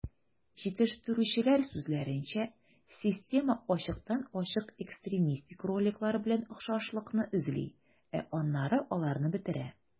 Җитештерүчеләр сүзләренчә, система ачыктан-ачык экстремистик роликлар белән охшашлыкны эзли, ә аннары аларны бетерә.